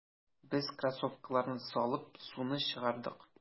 Без кроссовкаларны салып, суны чыгардык.